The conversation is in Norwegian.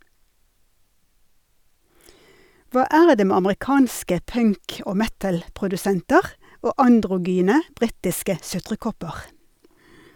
Hva er det med amerikanske punk- og metalprodusenter og androgyne britiske sutrekopper?